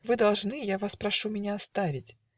Вы должны, Я вас прошу, меня оставить